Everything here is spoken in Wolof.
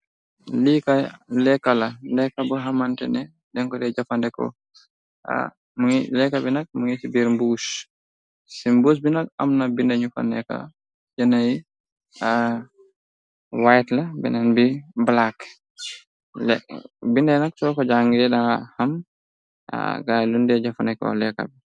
Liika lekka la lekka bu xamante ne denkote jafandeko lekkabi nak mungi ci biir mbuush ci mbuus binak am na bindeñu faneko jëne yi a white la beneen bi black binde nak soo ko jànge dara xamgaay lu ndee jafandeko lekka bi.